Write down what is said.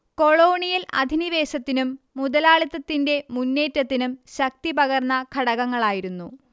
colonial അധിനിവേശത്തിനും മുതലാളിത്തത്തിന്റെ മുന്നേറ്റത്തിനും ശക്തി പകർന്ന ഘടകങ്ങളായിരുന്നു